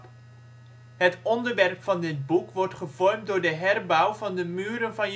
onderwerp van dit boek wordt gevormd door de herbouw van de muren van